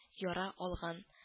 Яра алган